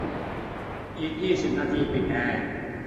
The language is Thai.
อีกยี่สิบนาทีปิดแอร์